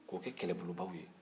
k'o kɛ kɛlɛbolobaw ye